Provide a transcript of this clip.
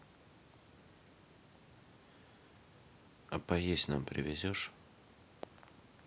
а поесть нам привезешь